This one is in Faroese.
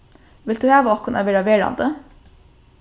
vilt tú hava okkum at verða verandi